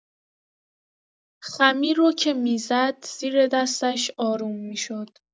خمیر رو که می‌زد، زیر دستش آروم می‌شد.